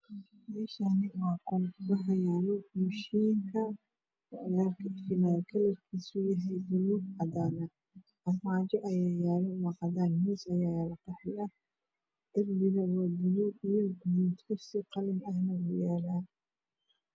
Meshaani waa qol wax yaalo mashiinka kalarkiisa puug iyo cadaan eh armaajo ayaa yaalo oo cadana ah miis ayaa yalo oo qalin ah darpigana waa paluug iyo gaduud kursi qalin ahne wuu yaalaa